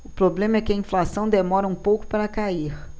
o problema é que a inflação demora um pouco para cair